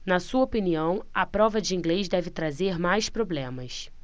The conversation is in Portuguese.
na sua opinião a prova de inglês deve trazer mais problemas